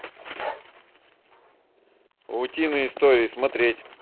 утиные истории смотреть